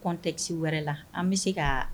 contexte wɛrɛ la an bɛ se k'a